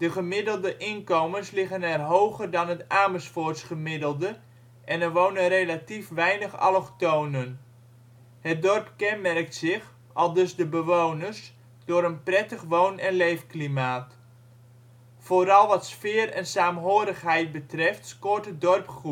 gemiddelde inkomens liggen er hoger dan het Amersfoorts gemiddelde en er wonen relatief weinig allochtonen. Het dorp kenmerkt zich, aldus de bewoners, door een prettig woon - en leefklimaat. Vooral wat sfeer en saamhorigheid betreft scoort het dorp